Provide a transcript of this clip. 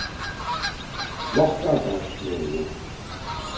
lokkagarðsvegur